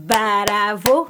Bravo